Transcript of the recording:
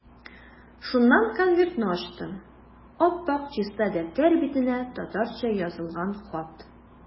Шуннан конвертны ачтым, ап-ак чиста дәфтәр битенә татарча язылган хат.